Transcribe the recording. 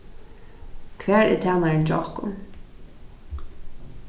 hvar er tænarin hjá okkum